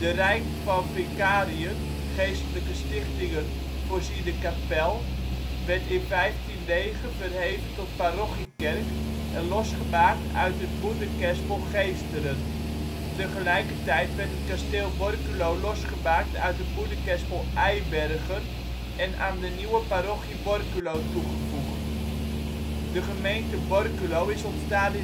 rijk van vicarieën (geestelijke stichtingen) voorziene kapel werd in 1509 verheven tot parochiekerk en losgemaakt uit het moederkerspel Geesteren. Tegelijkertijd werd het kasteel Borculo losgemaakt uit het moederkerspel Eibergen en aan de nieuwe parochie Borculo toegevoegd. De gemeente Borculo is ontstaan